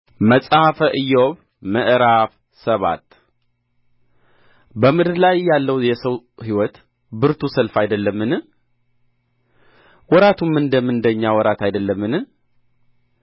መጽሐፈ ኢዮብ ምዕራፍ ሰባት በምድር ላይ የሰው ሕይወት ብርቱ ሰልፍ አይደለምን ወራቱም እንደ ምንደኛ ወራት አይደለምን